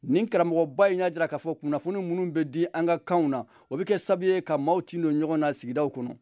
nin karamɔgɔba y'a jira k'a fɔ kunnafoni minnu bɛ di an ka kanw na o bɛ kɛ sababu ye ka maaw siri u ni ɲɔgɔn na sigidaw kɔnɔ